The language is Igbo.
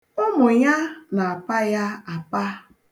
Ụmụ ya na-apa ya apa.